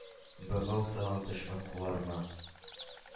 Богау салды дошман кулларыма